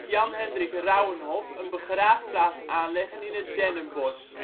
Jan Hendrik Rauwenhoff een begraafplaats aanleggen in het dennenbos